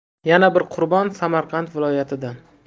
yana bir qurbon samarqand viloyatidan